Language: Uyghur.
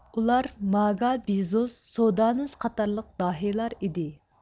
ئۇلار ماگابىزوس سودانىس قاتارلىق داھىيلار ئىدى